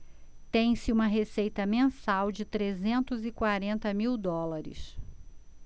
tem-se uma receita mensal de trezentos e quarenta mil dólares